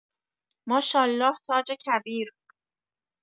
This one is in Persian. ماشالله تاج کبیر